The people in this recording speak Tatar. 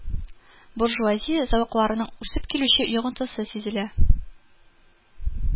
Буржуазия зәвыкларының үсеп килүче йогынтысы сизелә